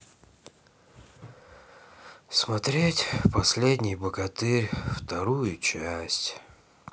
смотреть последний богатырь вторую часть